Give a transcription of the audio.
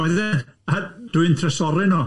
Oedd e- a dwi'n trysorau nhw.